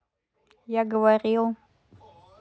я говорил